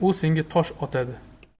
u senga tosh otadi